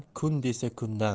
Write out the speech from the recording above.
kun desa kunday